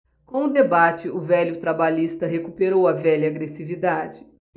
com o debate o velho trabalhista recuperou a velha agressividade